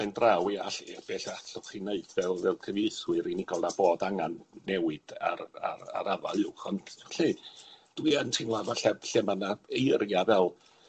bendraw i all- beth allwch chi wneud fel fel cyfieithwyr unigol, a bod angan newid ar ar ar afael uwch. Ond felly dwi yn teimlo falla lle ma' 'na eiria' fel